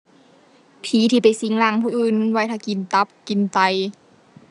ผีที่ไปสิงร่างผู้อื่นไว้ท่ากินตับ กินไต